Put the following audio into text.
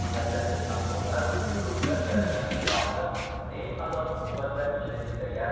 ajratib ham bo'lmas ruhdan yaralgan ilohni ne azob uqubatlar ichida izlagan